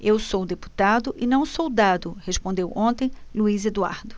eu sou deputado e não soldado respondeu ontem luís eduardo